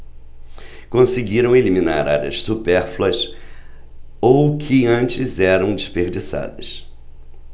conseguiram eliminar áreas supérfluas ou que antes eram desperdiçadas